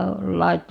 -